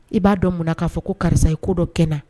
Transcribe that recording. I b'a dɔn munna k'a fɔ ko karisa ye ko dɔ kɛnɛ na?